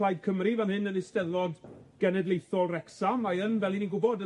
Plaid Cymru fan hyn yn Eisteddfod Genedlaethol Wrecsam, mae yn, fel 'yn ni'n gwybod